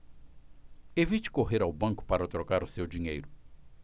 evite correr ao banco para trocar o seu dinheiro